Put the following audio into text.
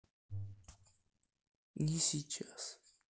не сейчас